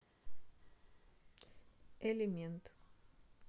элемент